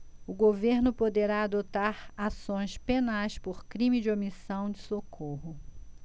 o governo poderá adotar ações penais por crime de omissão de socorro